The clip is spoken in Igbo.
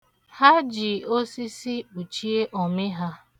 Ha ji osisi kpuchie ọmị ha.